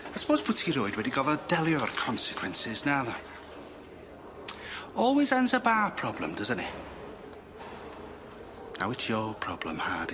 I spose bo' ti erioed wedi gorfod delio efo'r consequences naddo? Always ends up our problem, doesn't it? Now it's your problem, Hardy.